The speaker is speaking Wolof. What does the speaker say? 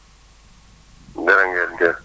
jërë ngeen jëf